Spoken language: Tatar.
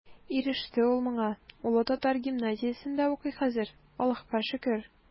Иреште ул моңа, улы татар гимназиясендә укый хәзер, Аллаһыга шөкер.